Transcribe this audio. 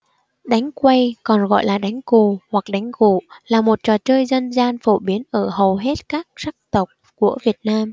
đánh quay còn gọi là đánh cù hoặc đánh gụ là một trò chơi dân gian phổ biến ở hầu hết các sắc tộc của việt nam